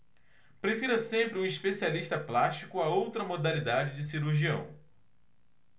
prefira sempre um especialista plástico a outra modalidade de cirurgião